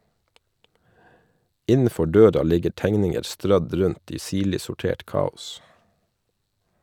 Innenfor døra ligger tegninger strødd rundt i sirlig sortert kaos.